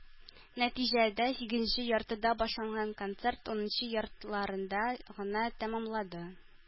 Нәтиҗәдә, сигезенче яртыда башланган концерт унынчы яртыларда гына тәмамланды.